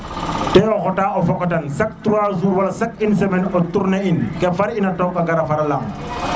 ke xota o fokatino fokatan chaque 3 jours wala chaque une semaine o tourner in ke re i na took a gara far lang